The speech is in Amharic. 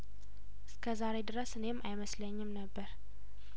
እስከዛሬ ድረስ እኔም አይመስለኝም ነበር